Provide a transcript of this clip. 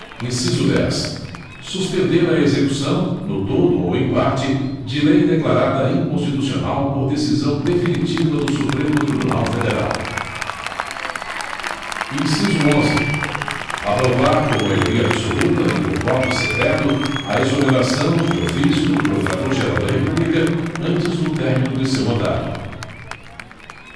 inciso dez suspender a execução no todo ou em parte de lei declarada inconstitucional por decisão definitiva do supremo tribunal federal inciso onze aprovar por maioria absoluta e por voto secreto a exoneração de ofício do procurador geral da república antes do término de seu mandato